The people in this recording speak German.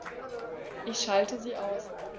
Ich schalte sie aus.